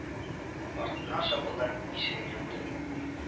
Артыннан шапылдап ишеген япты